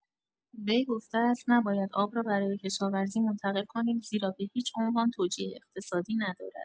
وی گفته است: نباید آب را برای کشاورزی منتقل کنیم زیرا به‌هیچ‌عنوان توجیه اقتصادی ندارد.